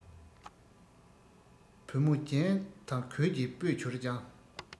བུ མོ རྒྱན དང གོས ཀྱིས སྤུད གྱུར ཀྱང